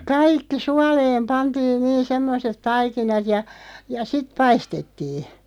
kaikki suoleen pantiin niin semmoiset taikinat ja ja sitten paistettiin